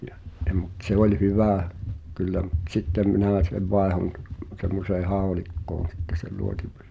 ja ja mutta se oli hyvä kyllä mutta sitten minä sen vaihdoin ja semmoiseen haulikkoon sitten sen luotipyssyn